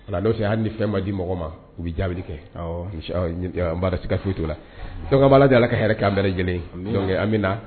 Voila n'o tɛ hali ni fɛn ma di mɔgɔ ma u bɛ jaabi kɛ, awɔ, n b'a dɔ siga foyi t'o la Ala ka hɛrɛ k'an bɛɛ lajɛlen ye, donc an bɛ na